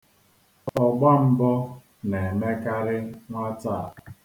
Ọgbambọ na-emekarị nwata a.